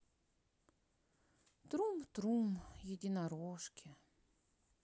трум трум единорожки